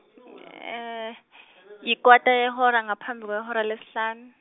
yikota yehora ngaphambi kwehora lesihlan-.